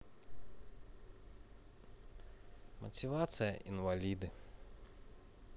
мотивация инвалиды